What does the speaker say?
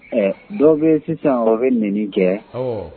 Ɛ dɔ bɛ sisan o bɛ n kɛ